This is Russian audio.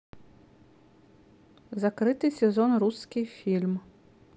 закрытый сезон русский фильм